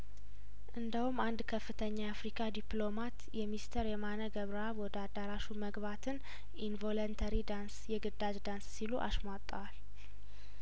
እንደ ውም አንድ ከፍተኛ የአፍሪካ ዲፕሎማት የሚስተር የማነ ገብረአብ ወደ አዳራሹ መግባትን ኢንቮለንተሪ ዳንስ የግዳጅ ዳንስ ሲሉ አሽሟጠዋል